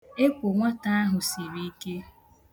Ekwo nwata ahụ siri ike